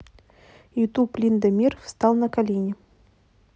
ютуб линда мир встал на колени